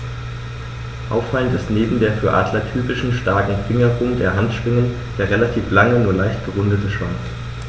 Auffallend ist neben der für Adler typischen starken Fingerung der Handschwingen der relativ lange, nur leicht gerundete Schwanz.